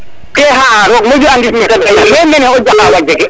te xa a roog moƴu andim mete deyna mais mene o Diakhao a jege